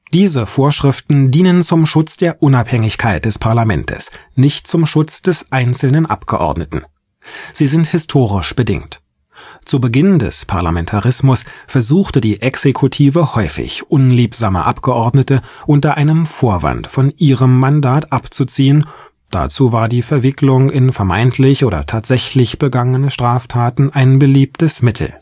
Diese Vorschriften dienen zum Schutz der Unabhängigkeit des Parlamentes, nicht zum Schutz des einzelnen Abgeordneten. Sie sind historisch bedingt: Zu Beginn des Parlamentarismus versuchte die Exekutive häufig, unliebsame Abgeordnete unter einem Vorwand von ihrem Mandat abzuziehen, dazu war die Verwicklung in vermeintlich oder tatsächlich begangene Straftaten ein beliebtes Mittel